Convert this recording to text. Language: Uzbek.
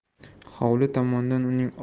hovli tomondan uning